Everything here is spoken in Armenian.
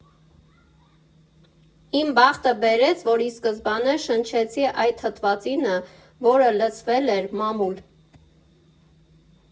Իմ բախտը բերեց, որ ի սկզբանե շնչեցի այդ թթվածինը, որ լցվել էր մամուլ.